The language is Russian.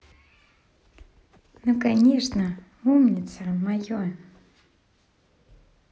ну конечно умница мое